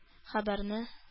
Хәбәрне